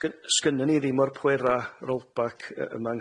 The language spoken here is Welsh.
Oes. Sgyn- sgynnon ni ddim o'r pwera' rollback yy yma yng